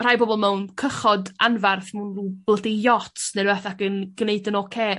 rhai pobol mewn cychod anfarth mewn rw blydi yachts ne' rwbath ac yn gneud yn ocê.